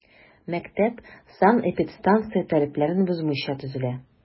Мәктәп санэпидстанция таләпләрен бозмыйча төзелә.